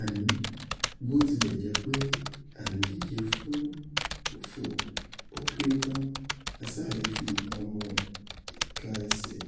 Àní botilẹjepe à ńdíje fún òfo, ó kéré tán á sáà leè fi ọmọ-ìka ẹsẹ̀